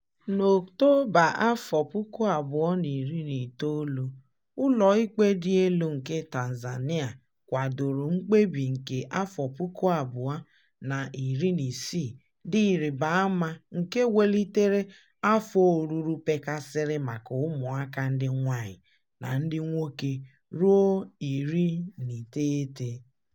Na Ọktoba 2019, ụlọ ikpe dị elu nke Tanzania kwadoro mkpebi nke 2016 dị ịrịba ama nke welitere afọ ọlụlụ pekasịrị maka ụmụaka ndị nwaanyị na ndị nwoke ruo 18.